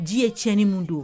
Ji yeɲɛn mun don